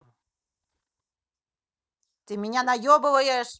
ты меня наебываешь